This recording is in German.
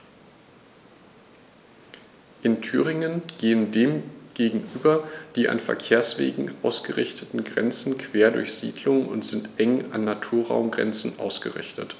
In Thüringen gehen dem gegenüber die an Verkehrswegen ausgerichteten Grenzen quer durch Siedlungen und sind eng an Naturraumgrenzen ausgerichtet.